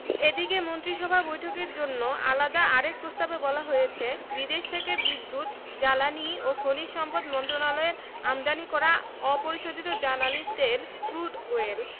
এদিকে মন্ত্রিসভা বৈঠকের জন্য আলাদা আরেক প্রস্তাবে বলা হয়েছে বিদেশ থেকে বিদ্যুৎ জ্বালানি ও খনিজ সম্পদ মন্ত্রণালয়ের আমদানি করা অপরিশোধিত জ্বালানি তেল ক্রুড অয়েল